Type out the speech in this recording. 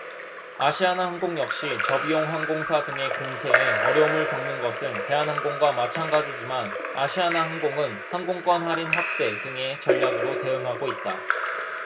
아시아나항공 역시 저비용항공사 등의 공세에 어려움을 겪는 것은 대한항공과 마찬가지지만 아시아나항공은 항공권 할인 확대 등의 전략으로 대응하고 있다